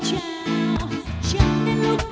chào